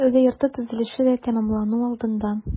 Ике сәүдә йорты төзелеше дә тәмамлану алдында.